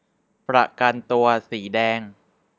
ประกันตัวสีแดง